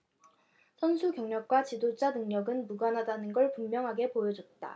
선수 경력과 지도자 능력은 무관하다는 걸 분명하게 보여줬다